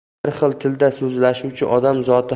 bir xil tilda so'zlashuvchi odam zoti